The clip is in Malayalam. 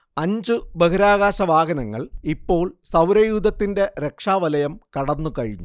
അഞ്ചു ബഹിരാകാശവാഹനങ്ങൾ ഇപ്പോൾ സൗരയൂഥത്തിന്റെ രക്ഷാവലയം കടന്നുകഴിഞ്ഞു